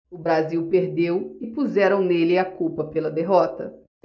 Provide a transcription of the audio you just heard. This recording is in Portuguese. o brasil perdeu e puseram nele a culpa pela derrota